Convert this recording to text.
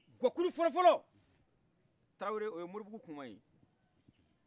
guakulu fɔlɔfɔlɔ tarawore oye moribugu kuma